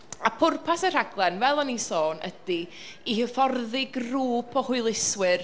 A pwrpas y rhaglen, fel roeddwn i'n ei ddweud, ydy i hyfforddi grŵp o hwyluswyr,